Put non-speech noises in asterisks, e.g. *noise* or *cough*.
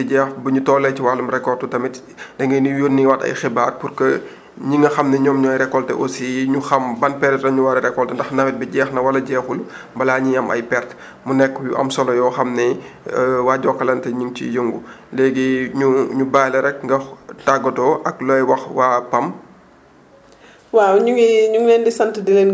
beneen bi aussi bu nawet bi di jeex bu ñu tollee ci wàllum récolte tamit *breath* da ngeen di yónneewaat ay xibaar pour que ñi nga xam ne ñoom ñooy récolté aussi ñu xam ban période la ñu war a récolté ndax nawet bi jeex na wala jeexul *breath* balaa ñuy am ay perte mu nekk lu am solo yoo xam ne *hesitation* waa Jokalante ñu ngi ciy yëngu *breath* léegi *hesitation* ñu ñu bàyyi la rek nga tàggatoo ak looy wax waa PAM